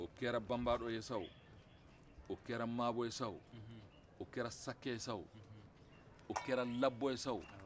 o kɛra bambaro ye sa o o kɛra maabɔ ye sa o o kɛra sakɛ ye sa o o kɛra labɔ ye sa o